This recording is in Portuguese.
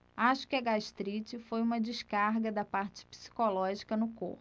acho que a gastrite foi uma descarga da parte psicológica no corpo